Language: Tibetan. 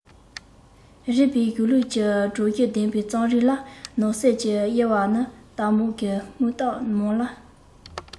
རིག པའི གཞུང ལུགས ཀྱི སྒྲོམ གཞི ལྡན པའི རྩོམ རིག ལ ནང གསེས ཀྱི དབྱེ བ ནི རྟ མོག གི སྤུ ལྟར མང ལ